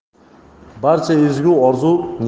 barcha ezgu orzu